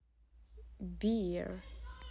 beer